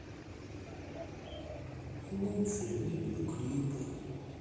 лучшие видеоклипы